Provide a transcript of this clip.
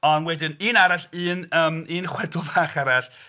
Ond wedyn un arall, un yym un chwedl fach arall.